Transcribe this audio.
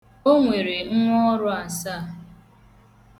O nwere nwọọrụ asaa.